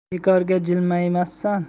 bekorga jilmaymassan